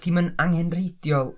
Di hi'm yn angerheidiol.